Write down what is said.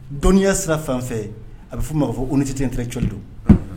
Dɔnniya sira fan fɛ, a bi fo ma ko honnêteté intellectuel